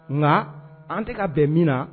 Nka an tɛ ka bɛn min na